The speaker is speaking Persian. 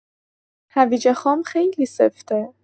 هویج خام خیلی سفته.